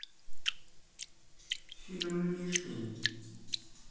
фильм лишний